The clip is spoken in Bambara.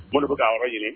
Boloko yɔrɔ ɲini